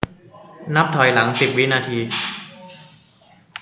นับถอยหลังสิบวินาที